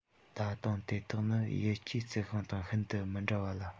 ད དུང དེ དག ནི ཡུལ སྐྱེས རྩི ཤིང དང ཤིན ཏུ མི འདྲ བ ལ